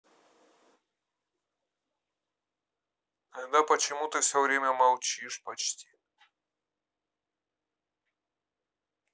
тогда почему ты все время молчишь почти